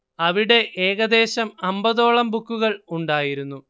അവിടെ ഏകദേശം അമ്പതോളം ബുക്കുകൾ ഉണ്ടായിരുന്നു